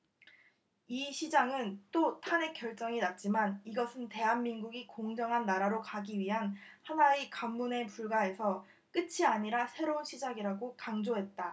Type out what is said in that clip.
이 시장은 또 탄핵 결정이 났지만 이것은 대한민국이 공정한 나라로 가기 위한 하나의 관문에 불과해서 끝이 아니라 새로운 시작이라고 강조했다